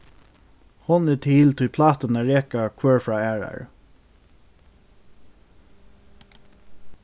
hon er til tí pláturnar reka hvør frá aðrari